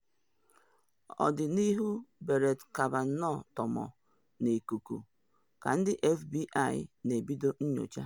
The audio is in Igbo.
Ọdịnihu Brett Kavanaugh tọgbọ n’ikuku ka ndị FBI na ebido nyocha